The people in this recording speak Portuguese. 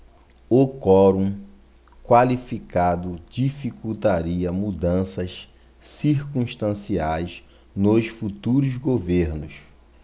o quorum qualificado dificultaria mudanças circunstanciais nos futuros governos